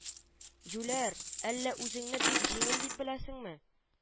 – юләр, әллә үзеңне бик җиңел дип беләсеңме